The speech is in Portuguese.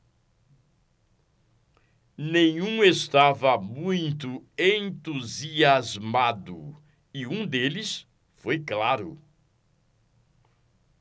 nenhum estava muito entusiasmado e um deles foi claro